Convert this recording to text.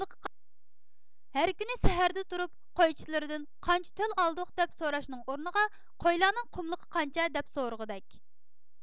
ھەر كۈنى سەھەردە تۇرۇپ قويچىلىرىدىن قانچە تۆل ئالدۇق دەپ سوراشنىڭ ئورنىغا قويلارنىڭ قۇمىلىقى قانچە دەپ سورىغۇدەك